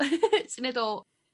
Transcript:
...syniad o